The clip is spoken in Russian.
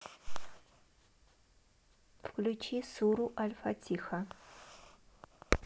включи суру альфатиха